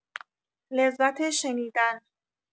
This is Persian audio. لذت شنیدن